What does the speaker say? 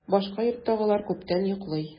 Башка йорттагылар күптән йоклый.